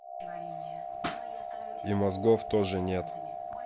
и мозгов тоже нет